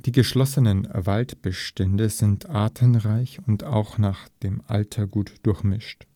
geschlossenen Waldbestände sind artenreich und auch nach dem Alter gut durchmischt